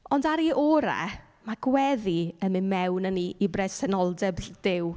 Ond ar ei orau, ma' gweddi yn mynd mewn â ni i bresenoldeb ll- Duw.